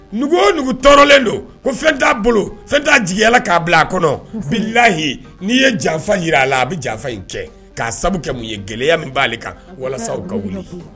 Nugu ougu tɔɔrɔlen don ko fɛn t'a bolo fɛn t'a jigiya k'a bila a kɔnɔlayi n' ye janfa jira a la a bɛ janfa in kɛa mun ye gɛlɛya min b'a kan walasa ka wili